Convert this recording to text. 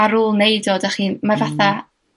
ar ôl neud o dach chi'n... mae fatha